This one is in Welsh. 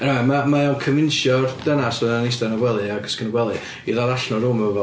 Eniwemae o mae o'n confinsio'r dynas 'ma oedd yn ista'n y gwely a cysgu'n y gwely i ddod allan o'r room efo fo.